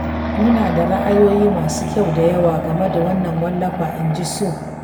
Muna da ra’ayoyi masu kyau da yawa game da wannan wallafa. In ji Sow.